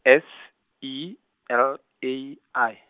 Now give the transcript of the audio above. S E L A I.